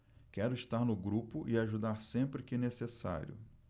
quero estar no grupo e ajudar sempre que necessário